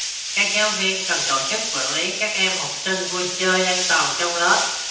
các giáo viên cần tổ chức quản lý các em học sinh vui chơi an toàn trong lớp